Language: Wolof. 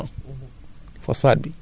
parce que foofu amul subvention